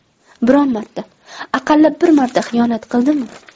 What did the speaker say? biron marta aqalli bir marta xiyonat qildimi